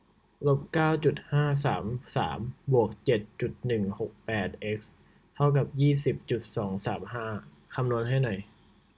ลบเก้าจุดห้าสามสามบวกเจ็ดจุดหนึ่งหกแปดเอ็กซ์เท่ากับยี่สิบจุดสองสามห้าคำนวณให้หน่อย